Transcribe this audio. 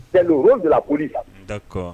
Jeliw bila kori